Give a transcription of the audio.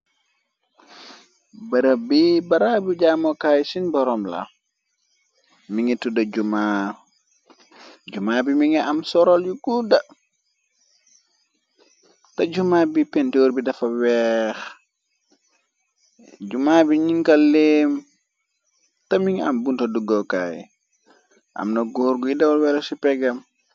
barab bi baraabu jaamokaay sonu boroom la mongi tudda juma jumaa bi mongi am soror yu goudu te jumaa bi pintuor bi dafa weex juma bi njong ko laame te ming am bunta dugekay amna goor guy dawal welo ci pegam